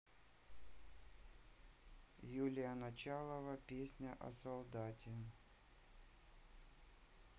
юлия началова песня о солдате